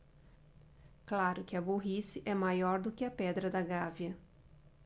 claro que a burrice é maior do que a pedra da gávea